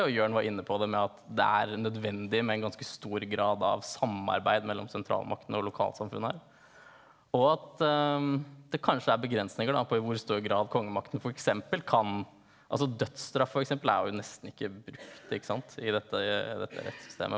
og Jørn var inne på det med at det er nødvendig med en ganske stor grad av samarbeid mellom sentralmakten og lokalsamfunnet og at det kanskje er begrensninger da på i hvor stor grad kongemakten f.eks. kan altså dødsstraff f.eks. er jo nesten ikke brukt ikke sant i dette i dette rettssystemet.